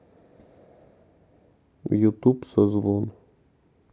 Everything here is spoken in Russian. ютуб созвон